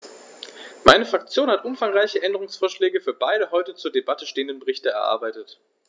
Meine Fraktion hat umfangreiche Änderungsvorschläge für beide heute zur Debatte stehenden Berichte erarbeitet.